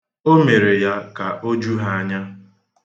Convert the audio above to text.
O mere ya ka o ju ha anya.